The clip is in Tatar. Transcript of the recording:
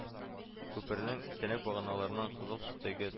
Күпернең терәк баганаларына кызыл төстәге